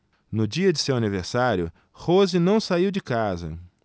no dia de seu aniversário rose não saiu de casa